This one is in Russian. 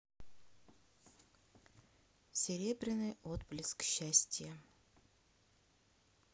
серебряный отблеск счастья